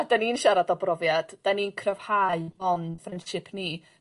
A 'dan ni'n siarad o brofiad 'dan ni'n cryfhau o'n friendship ni